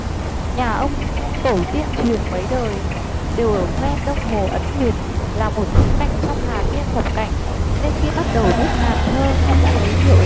nhà ông tổ tiên truyền mấy đời đều ở ven đông hồ ấn nguyệt là một thắng cảnh trong hà tiên thập cảnh nên khi bắt đầu biết làm thơ ông đã lấy hiệu